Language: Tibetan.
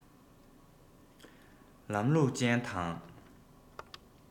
ལམ ལུགས ཅན དང